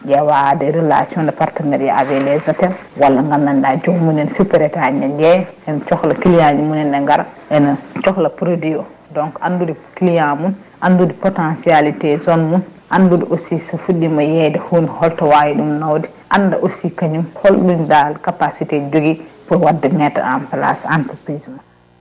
ƴewa des relations de partenariat avec les hôtels walla gandanɗa joomum en super état en ne jeyta ene cohla client mumen ne gara ene sohla produit o donc andude client mum andude potentialité zone mum andude aussi so fuɗɗima yeyde holto wawi ɗum nawde anda aussi holɗum dal capacité jogui pour wadde mettre en place entreprise mum